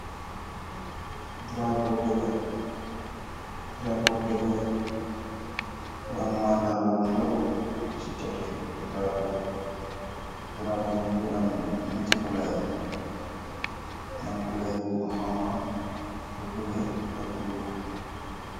Drapeau dehkah, drapeau dehkah bu am maandarr gah bu ndaw chi chhat yii drapeau bi, drapeau bi mungy am njehti couleur, mungy am couleur bu honha, bu bleu ak lu wekh.